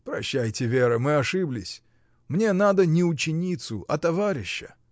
Прощайте, Вера, мы ошиблись: мне надо не ученицу, а товарища.